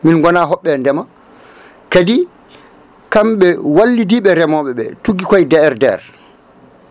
min goona hoɓɓe e ndeema kadi kamɓe wallidiɓe remoɓeɓe tuggui koye DRDR